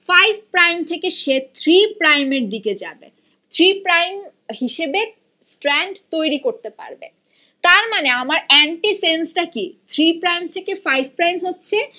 five প্রাইমের থেকে সে থ্রি প্রাইমের দিকে যাবে থ্রি প্রাইম হিসেবে স্ট্র্যান্ড তৈরি করতে পারবে তার মানে আমার এন্টিসেন্স টা কি থ্রি প্রাইম থেকে ফাইভ প্রাইম হচ্ছে